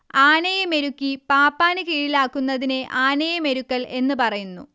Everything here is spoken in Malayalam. ആനയെ മെരുക്കി പാപ്പാന് കീഴിലാക്കുന്നതിനെ ആനയെ മെരുക്കൽ എന്നു പറയുന്നു